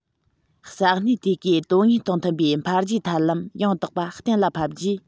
ས གནས དེ གའི དོན དངོས དང མཐུན པའི འཕེལ རྒྱས ཐབས ལམ ཡང དག པ གཏན ལ ཕབ རྗེས